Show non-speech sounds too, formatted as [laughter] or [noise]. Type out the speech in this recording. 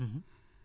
[hesitation] [hesitation]